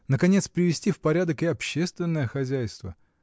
наконец, привести в порядок и общественное хозяйство.